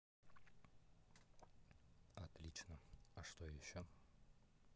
отлично а что еще